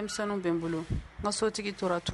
Denmisɛnninw bɛ n bolo ma sotigi tora